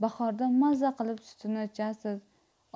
bahorda maza qilib sutini ichasiz